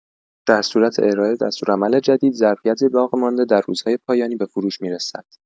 درصورت ارائه دستورالعمل جدید ظرفیت باقی‌مانده در روزهای پایانی به فروش می‌رسد.